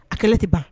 A kɛlɛ tɛ ban